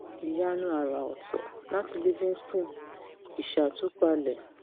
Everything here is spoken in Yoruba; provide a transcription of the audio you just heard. Ìyanu Àrà-ọ̀tọ̀' láti Livingston - ìṣàtúpalẹ̀